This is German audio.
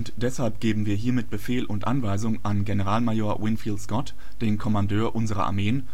deshalb geben wir hiermit Befehl und Anweisung an Generalmajor Winfield Scott, den Kommandeur unserer Armeen